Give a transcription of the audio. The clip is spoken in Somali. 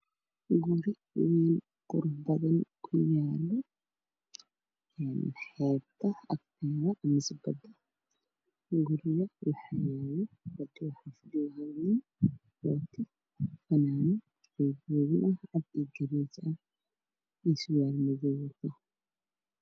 Guri weyn qurux badn ku yaalo xeebta mise bada guriga waxaa yaalo waxa yaalo bada waxaa jogo nin qaba cad iyo gaduud ah wuxu qabaa surwal madoow